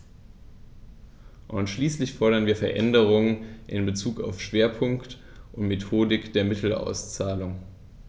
Und schließlich fordern wir Veränderungen in bezug auf Schwerpunkt und Methodik der Mittelauszahlung.